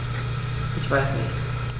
Ich weiß nicht.